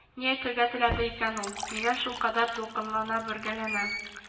Ни әйтергә теләде икән ул, нигә шулкадәр дулкынлана, бәргәләнә